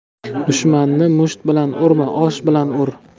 dushmanni musht bilan urma osh bilan ur